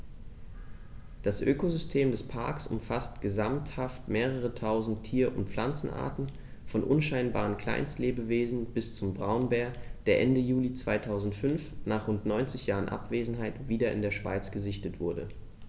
Das Ökosystem des Parks umfasst gesamthaft mehrere tausend Tier- und Pflanzenarten, von unscheinbaren Kleinstlebewesen bis zum Braunbär, der Ende Juli 2005, nach rund 90 Jahren Abwesenheit, wieder in der Schweiz gesichtet wurde.